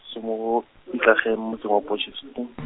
se mororo, Ikageng mo motseng wa Potchefstroom .